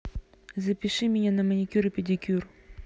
запиши меня на маникюр и педикюр